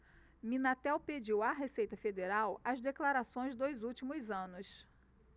minatel pediu à receita federal as declarações dos últimos anos